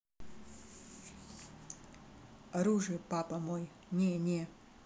оружие папа мой не не